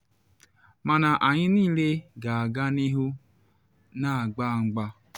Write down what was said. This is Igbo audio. Mana anyị niile ga-aga n’ihu na agba mgba.”